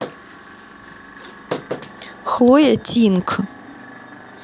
хлоя тинг